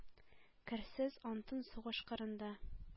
Керсез антын сугыш кырында.